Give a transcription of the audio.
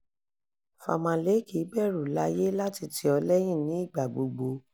Famalay kì í bẹ̀rù láyé láti tì ọ́ lẹ́yìn ní ìgbà gbogbo...